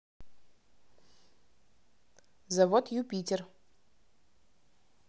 завод юпитер